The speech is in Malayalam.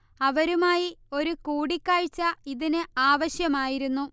അവരുമായി ഒരു കൂടിക്കാഴ്ച ഇതിന് ആവശ്യമായിരുന്നു